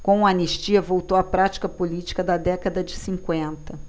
com a anistia voltou a prática política da década de cinquenta